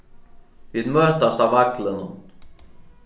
vit møtast á vaglinum